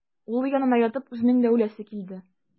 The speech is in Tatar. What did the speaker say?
Улы янына ятып үзенең дә үләсе килде.